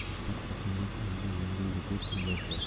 ular qosimbek endi yengildi deb o'yladilar